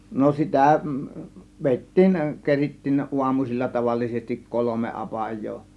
no sitä vedettiin kerittiin aamuisin tavallisesti kolme apajaa